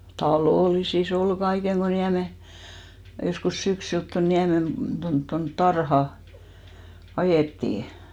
talollisissa oli kaiken kun Niemen joskus syksyllä tuonne Niemen tuonne tuonne tarhaan ajettiin